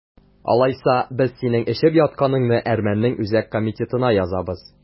Алайса, без синең эчеп ятканыңны әрмәннең үзәк комитетына язабыз!